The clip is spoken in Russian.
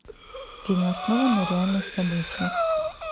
фильм основан на реальных событиях